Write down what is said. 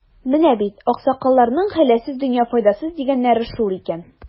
Менә бит, аксакалларның, хәйләсез — дөнья файдасыз, дигәннәре шул икән.